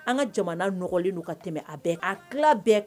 An ka jamana nɔgɔlen ka tɛmɛ a bɛn a tila bɛɛ kan